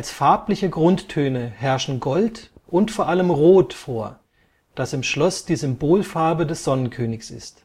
farbliche Grundtöne herrschen Gold und vor allem Rot vor, das im Schloss die Symbolfarbe des Sonnenkönigs ist